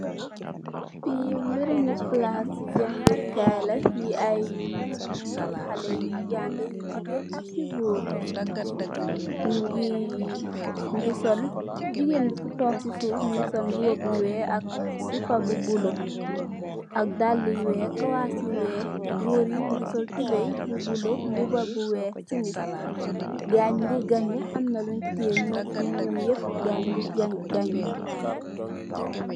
Fee mereme plase jangekay la fe ayee haleh ye jange yu jegain ak yu goor nugee nuge sol jegain be ku tonke se suuf muge sol muba bu weex ak sepa bu bulo ak dalle yu weex kawass ye weex goor ye nuge sol tubaye bu bulo muba bu weex semis gaye nuge ganye amna lung teye num yep gaye nuge ganye.